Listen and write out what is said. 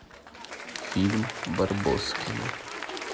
фильм барбоскины